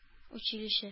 Училище